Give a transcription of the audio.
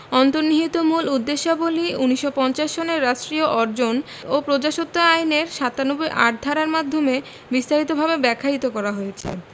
অন্তর্নিহিত মূল উদ্দেশ্যাবলী ১৯৫০ সনের রাষ্ট্রীয় অর্জন ও প্রজাস্বত্ব আইনের ৯৭ ৮ ধারার মাধ্যমে বিস্তারিতভাবে ব্যাখ্যায়িত করা হয়েছে